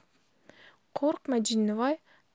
qo'rqma jinnivoy